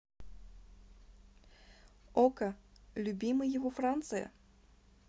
okko любимый его франция